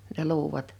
ne luudat